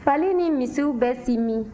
fali ni misiw bɛ si min